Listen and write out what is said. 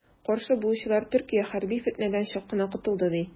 Каршы булучылар, Төркия хәрби фетнәдән чак кына котылды, ди.